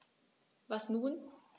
Was nun?